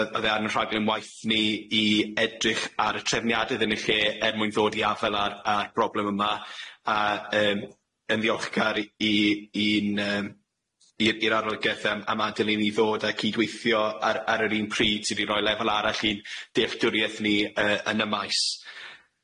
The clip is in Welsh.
Yy o'dd e ar 'yn rhaglen waith ni i edrych ar y trefniadedd yn eu lle er mwyn ddod i afael a'r a'r broblem yma, a yym yn ddiolchgar i i'n yym i'r i'r arolygaeth yym am adel i ni ddod a cydweithio ar ar yr un pryd, sydd i roi lefel arall i'n dealltwriaeth ni yy yn y maes.